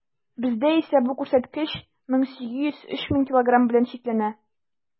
Бездә исә бу күрсәткеч 1800 - 3000 килограмм белән чикләнә.